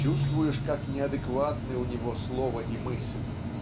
Чувствуешь, как неадэкватны у него слово и мысль